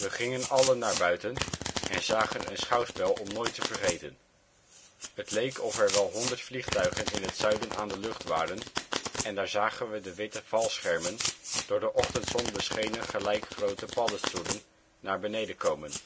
gingen alle naar buiten en zagen een schouwspel om nooit te vergeten. ‘t Leek of er wel honderd vliegtuigen in ‘t zuiden aan de lucht waren en daar zagen we de witte valschermen, door de ochtendzon beschenen gelijk groote paddestoelen naar beneden komen